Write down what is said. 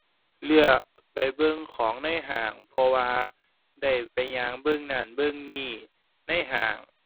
เลือกไปเบิ่งของในห้าง เพราะว่า ได้ไปย่างเบิ่งนั่นเบิ่งนี่ในห้าง